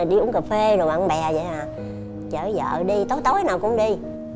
đi uống cà phê rồi bạn bè dậy à chở dợ đi tối tối nào cũng đi